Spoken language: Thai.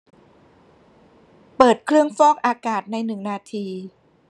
เปิดเครื่องฟอกอากาศในหนึ่งนาที